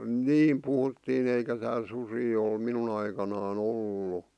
niin puhuttiin eikä täällä susia ole minun aikanani ollut